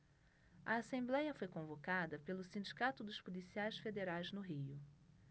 a assembléia foi convocada pelo sindicato dos policiais federais no rio